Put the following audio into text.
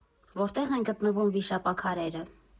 Որտեղ են գտնվում վիշապաքարերը։